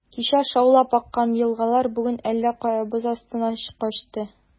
Кичә шаулап аккан елгалар бүген әллә кая, боз астына качты.